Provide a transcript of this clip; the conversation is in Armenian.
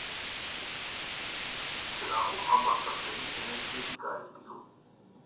Սրահում անբացատրելի էներգետիկա էր տիրում։